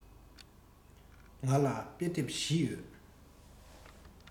ང ལ དཔེ དེབ བཞི ཡོད